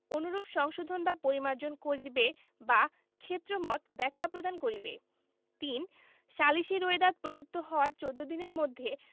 অনুরূপ সংশোধন বা পরিমার্জন করিবে বা ক্ষেত্রমত ব্যাখ্যা প্রদান করিবে ৩ সালিসী রোয়েদাদ প্রদত্ত হওয়ার চৌদ্দ দিনের মধ্যে